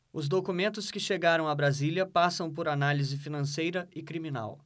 os documentos que chegaram a brasília passam por análise financeira e criminal